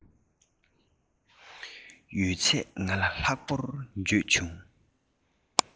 ཡོད ཚད ང ལ ལྷུག པོར བརྗོད བྱུང